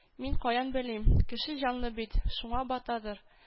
– мин каян белим. кеше җанлы бит, шуңа батадыр